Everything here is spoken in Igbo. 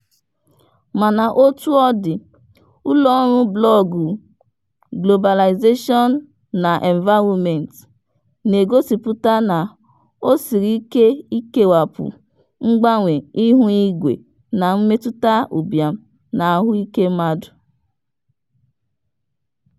Mana otúọdị, ụlọọrụ blọọgụ Globalization and Environment na-egosipụta na o siri ike ikewapụ mgbanwe ihuígwé na mmetụta ụbiam n'ahụike mmadụ.